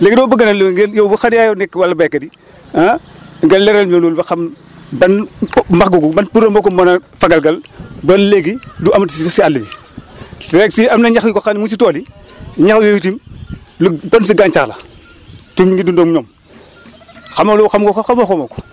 léegi dama bëgg nag léegi ngeen yow mi nga xam ne yaa yor nekk wàllu béykat yi ah nga leeral ñu loolu ba xam ban max googu ban puudar moo ko mën a faagaagal ba léegi du amati si àll bi même si am na ñax yu ko xam ne mu ngi si tool yi ñax yooyu tamit lu bon si gàncax la te mu ngi dund ak ñoom xam nga loolu xam nga ko xaw ma xamoo ko